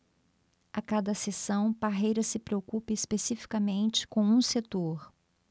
a cada sessão parreira se preocupa especificamente com um setor